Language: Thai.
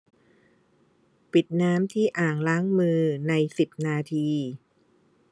ปิดน้ำที่อ่างล้างมือในสิบนาที